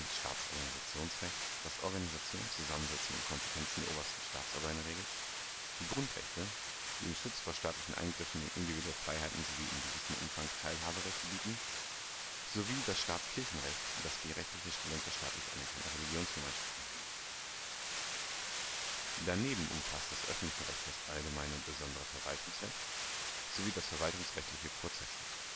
Staatsorganisationsrecht, das Organisation, Zusammensetzung und Kompetenzen der obersten Staatsorgane regelt, die Grundrechte, die im Schutz vor staatlichen Eingriffen in individuelle Freiheiten sowie in gewissem Umfang Teilhaberechte bieten, sowie das Staatskirchenrecht, das die rechtliche Stellung der staatlich anerkannten Religionsgemeinschaften regelt. Daneben umfasst das öffentliche Recht das allgemeine und besondere Verwaltungsrecht sowie das verwaltungsrechtliche Prozessrecht